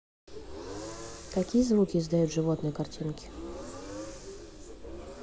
какие звуки издают животные картинки